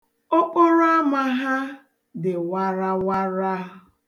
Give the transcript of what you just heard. Okporoama ha dị warawara.